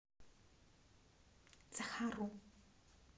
захару